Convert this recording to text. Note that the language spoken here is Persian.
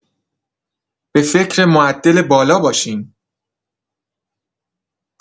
به فکر معدل بالا باشین.